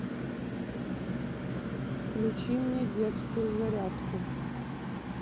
включи мне детскую зарядку